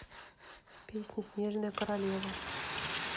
песня снежная королева